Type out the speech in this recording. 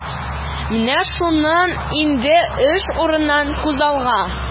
Менә шуннан инде эш урыныннан кузгала.